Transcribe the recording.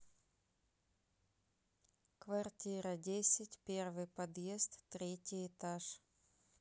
квартира десять первый подъезд третий этаж